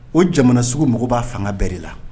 O jamana sugu mɔgɔ b'a fanga bɛɛ de la